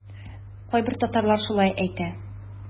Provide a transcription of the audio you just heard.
Кайбер татарлар шулай әйтә.